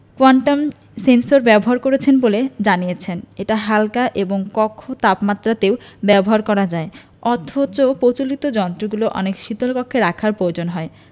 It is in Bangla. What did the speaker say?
কোয়ান্টাম সেন্সর ব্যবহার করেছেন বলে জানিয়েছেন এটি হাল্কা এবং কক্ষ তাপমাত্রাতেও ব্যবহার করা যায় অথচ প্রচলিত যন্ত্রগুলো অনেক শীতল কক্ষে রাখার প্রয়োজন হয়